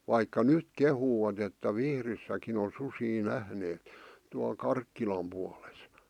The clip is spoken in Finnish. vaikka nyt kehuvat että Vihdissäkin on susia nähneet tuolla Karkkilan puolessa